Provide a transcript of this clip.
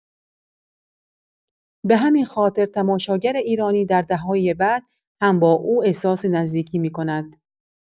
به همین خاطر، تماشاگر ایرانی در دهه‌های بعد هم با او احساس نزدیکی می‌کند.